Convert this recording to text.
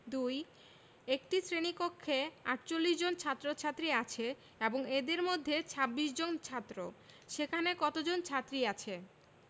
২ একটি শ্রেণি কক্ষে ৪৮ জন ছাত্ৰ-ছাত্ৰী আছে এবং এদের মধ্যে ২৬ জন ছাত্র সেখানে কতজন ছাত্রী আছে